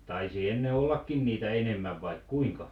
taisi ennen ollakin niitä enemmän vai kuinka